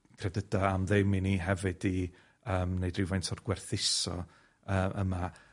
credida am ddim i ni hefyd i yym neud rywfaint o gwerthuso yy yma.